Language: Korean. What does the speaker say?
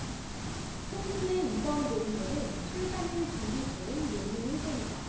송 군의 이번 논문은 출간을 준비 중인 논문인 셈이다